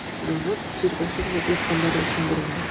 Янып, җиргә сузылып ятканнары өчендер инде.